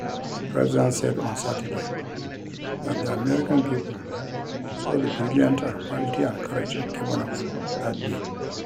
The President said on Saturday that the "American people saw the brilliant and quality and courage" of Kavanaugh that day.